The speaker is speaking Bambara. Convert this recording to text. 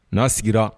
N'a sigira